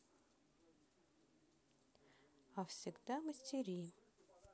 а всегда мастери